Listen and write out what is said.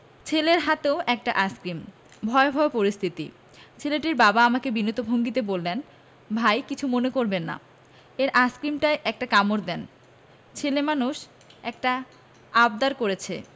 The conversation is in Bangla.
ছেলের হাতেও একটা আইসক্রিম ভয়াবহ পরিস্থিতি ছেলেটির বাবা আমাকে বিনীত ভঙ্গিতে বললেন ভাই কিছু মনে করবেন না এর আইসক্রিমটায় একটা কামড় দেন ছেলে মানুষ একটা আবদার করছে